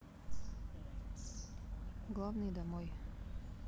главный домой